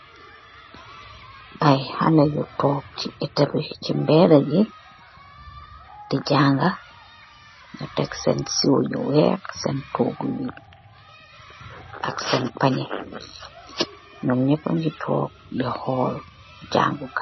Ay haleh yu togg si etah bi si berax bi di jangah yu tek sen soyu weex ak sen togux ak sen pageh yom yupax gi togg di hol jangugai